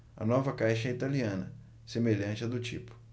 a nova caixa é italiana semelhante à do tipo